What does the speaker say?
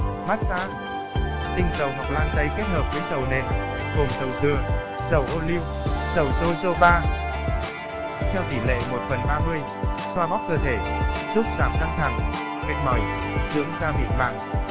massage tinh dầu ngọc lan tây kết hợp với dầu nền theo tỉ lệ xoa bóp cơ thể giảm căng thẳng mệt mỏi dưỡng da mịn màng